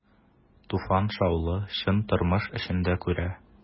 Туфан шаулы, чын тормыш эчендә күрә.